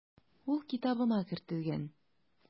Ул китабыма кертелгән.